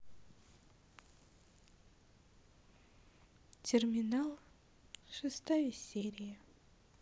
терминал шестая серия